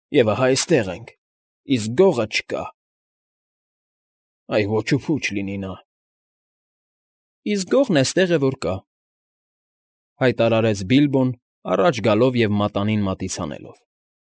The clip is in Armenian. Եվ ահա այստեղ ենք, իսկ գողը չկա, այ ոչ ու փուչ լինի նա… ֊ Իսկ գողն էստեղ է որ կա,֊ հայտարարեց Բիլբոն՝ առաջ գալով և մատանին մատից հանելով։